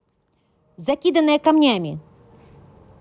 закиданная камнями